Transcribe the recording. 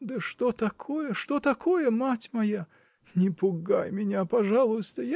-- Да что такое, что такое, мать моя? Не пугай меня, пожалуйста